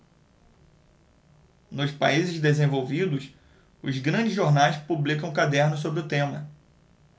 nos países desenvolvidos os grandes jornais publicam cadernos sobre o tema